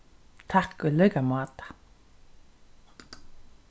takk í líka máta